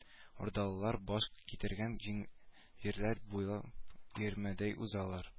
Урдалылар баш күтәргән җирләр буйлап өермәдәй узалар